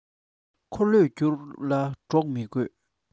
འཁོར ལོས བསྒྱུར ལ གྲོགས མི དགོས